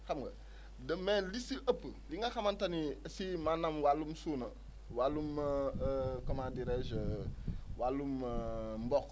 xam nga de mais li si ëpp li nga xamante ni si maanaam wàllum suuna wàllum comment dirais je wàllum mboq